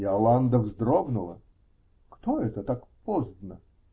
Иоланда вздрогнула: -- Кто это так поздно?